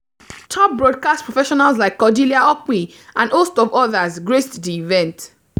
Top broadcast professionals like Cordelia Okpei and a host of others graced the event.